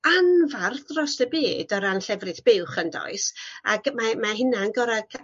anfarth drost y byd o ran llefrith buwch yndoes ag mae mae hunan gor'o' ca-